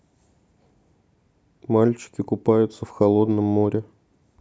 мальчики купаются в холодном море